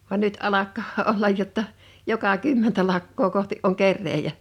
vaan nyt alkaa olla jotta joka kymmentä lakkaa kohti on kerääjä